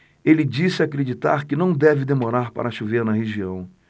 ele disse acreditar que não deve demorar para chover na região